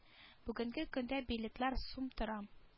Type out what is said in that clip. Бүгенге көндә билетлар сум тора